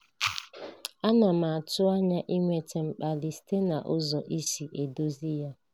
Ana m atụ anya inweta mkpali site n'ụzọ i si edozi ya.